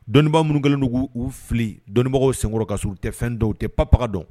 Dɔnniibaa minnu kɛlendugu uu fili dɔnniibagaw senkɔrɔ ka s u tɛ fɛn dɔw tɛ panbaga dɔn